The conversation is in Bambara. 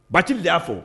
Bati y'a fɔ